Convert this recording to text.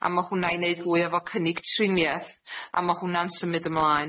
a ma' hwn'na i neud fwy efo cynnig trinieth, a ma' hwn'na'n symud ymlaen.